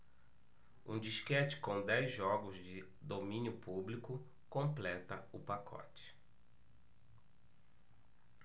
um disquete com dez jogos de domínio público completa o pacote